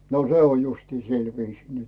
no se on justiin sillä viisiin nyt